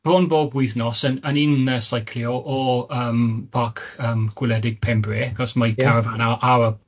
Bron bob wythnos yn yn i'n yy seiclio o yym parc yym Gwledig Pembre achos mae carafan ar ar y ar y parc.